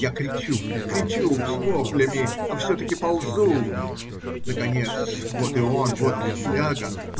Я кричу, кричу с воплями, а все-таки ползу. Наконец вот и он. Вот фляга.